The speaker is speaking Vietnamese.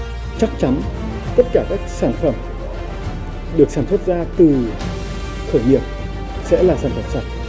chắc chắn tất cả các sản phẩm được sản xuất ra từ khởi nghiệp sẽ là sản phẩm sạch